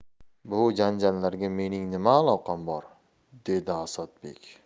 bu janjallarga mening nima aloqam bor dedi asadbek